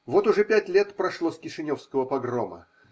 Вот уже пять лет прошло с кишиневского погрома